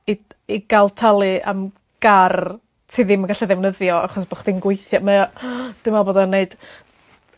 i i ga'l talu am gar ti ddim yn gallu ddefnyddio achos bo' chdi'n gweithio mae o dwi me'wl bod o'n neud